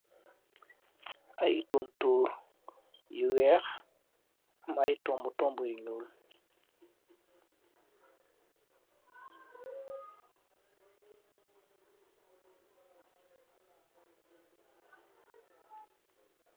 Aye tontoor, yu weekh, am aye tombu tombu yu nyul.